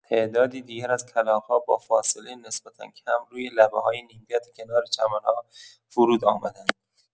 تعدادی دیگر از کلاغ‌ها با فاصله نسبتا کم روی لبه‌های نیمکت کنار چمن‌ها فرود آمدند.